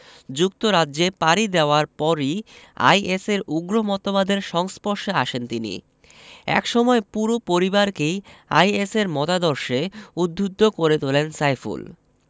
যুক্তরাজ্যে পাড়ি দেওয়ার পরই আইএসের উগ্র মতবাদের সংস্পর্শে আসেন তিনি একসময় পুরো পরিবারকেই আইএসের মতাদর্শে উদ্বুদ্ধ করে তোলেন সাইফুল